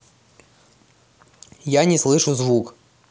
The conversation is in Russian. я не слышу звук